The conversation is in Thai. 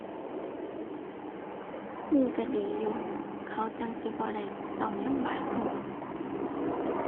มีก็ดีอยู่ เขาจั่งสิบ่ได้ต้องลำบากโพด